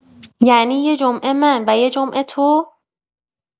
یعنی یه جمعه من و یه جمعه تو؟